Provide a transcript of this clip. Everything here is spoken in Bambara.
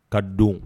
Ka don